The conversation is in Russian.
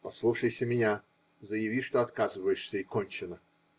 -- Послушайся меня, заяви, что отказываешься, и кончено.